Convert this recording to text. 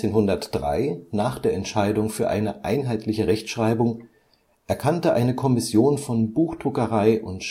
1903, nach der Entscheidung für eine einheitliche Rechtschreibung, erkannte eine Kommission von Buchdruckerei - und